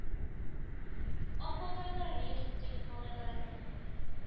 Ак бабайлары өйрәтте бит малайларны.